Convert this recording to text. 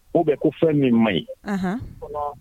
U bɛ ko fɛn min man ɲi